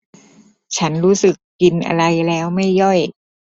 ฉันรู้สึกกินอะไรแล้วไม่ย่อย